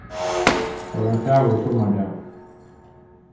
tað var ein fagur summardagur